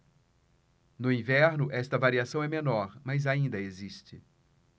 no inverno esta variação é menor mas ainda existe